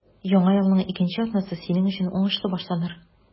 Яңа елның икенче атнасы синең өчен уңышлы башланыр.